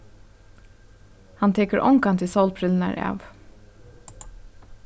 hann tekur ongantíð sólbrillurnar av